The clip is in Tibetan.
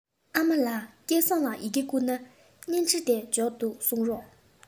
ཨ མ ལགས སྐལ བཟང ལ ཡི གེ བསྐུར ན བརྙན འཕྲིན དེ འབྱོར འདུག གསུངས རོགས